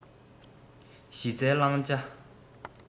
གཞི རྩའི བླང བྱ